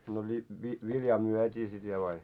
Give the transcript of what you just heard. no -- viljaa myytiin sitten vielä aina